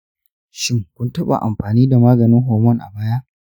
shin, kun taɓa amfani da maganin hormone a baya?